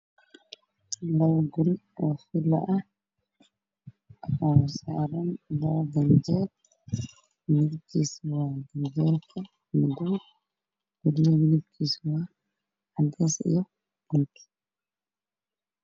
Meeshaan wuxuu ku jiro laba guri oo isku nooc ah waxaana albaabkoodu waa madow dabaqyo dhaadheer waayo